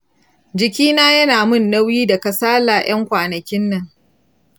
jikina yana min nauyi da kasala ƴan kwanakin nan.